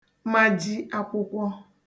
maji akwụkwọ